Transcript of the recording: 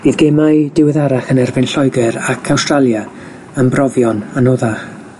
Bydd gemau diweddarach yn erbyn Lloeger ac Awstralia yn brofion anoddach.